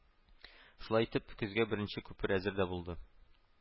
Шулай итеп, көзгә беренче күпер әзер дә булды